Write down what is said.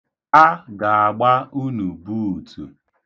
A ga-agba unu buutu.